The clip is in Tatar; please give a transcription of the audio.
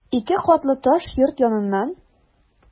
Ике катлы таш йорт яныннан...